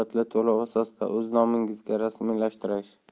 asosida o'z nomingizga rasmiylashtirish